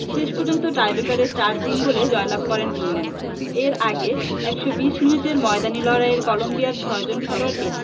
শেষ পর্যন্ত টাইট্রেকারে ৪ ৩ গোলে জয়লাভ করে ইংল্যান্ড এর আগে ১২০ মিনিটের ময়দানি লড়াইয়ে কলম্বিয়ার ছয়জন খেলোয়াড়কে